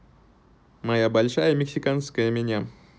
моя большая мексиканская меня